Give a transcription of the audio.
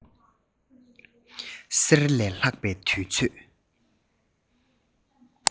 གསེར ལས ལྷག པའི དུས ཚོད